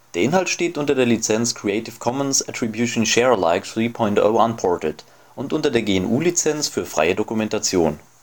Inhalt steht unter der Lizenz Creative Commons Attribution Share Alike 3 Punkt 0 Unported und unter der GNU Lizenz für freie Dokumentation